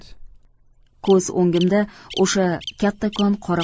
ko'z o'ngimda o'sha kattakon qora